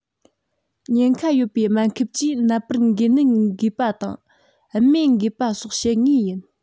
ཉེན ཁ ཡོད པའི སྨན ཁབ ཀྱིས ནད པར འགོས ནད འགོས པ དང རྨོས འགོས པ སོགས བྱེད ངེས ཡིན